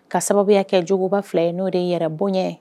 Ka sababuya kɛ juguba fila n'o de ye yɛrɛ bonya ye